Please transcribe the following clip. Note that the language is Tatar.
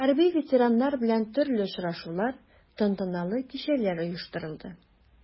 Хәрби ветераннар белән төрле очрашулар, тантаналы кичәләр оештырылды.